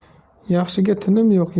yaxshiga tinim yo'q